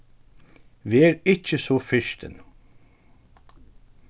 ver ikki so firtin